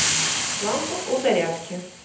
лампа у зарядки